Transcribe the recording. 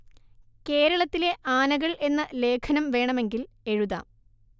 കേരളത്തിലെ ആനകൾ എന്ന ലേഖനം വേണമെങ്കിൽ എഴുതാം